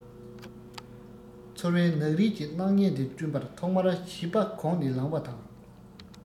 ཚོར བའི ནག རིས ཀྱི སྣང བརྙན འདི བསྐྲུན པར ཐོག མར བྱིས པ གོག ནས ལངས པ དང